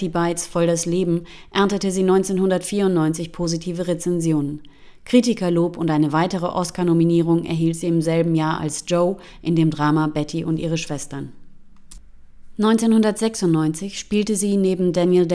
Bites – Voll das Leben erntete sie 1994 positive Rezensionen. Kritikerlob und eine weitere Oscar-Nominierung erhielt sie im selben Jahr als Jo in dem Drama Betty und ihre Schwestern. 1996 spielte sie neben Daniel